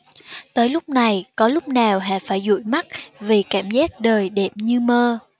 tới lúc này có lúc nào hà phải dụi mắt vì cảm giác đời đẹp như mơ